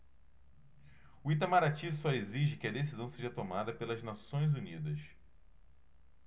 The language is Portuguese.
o itamaraty só exige que a decisão seja tomada pelas nações unidas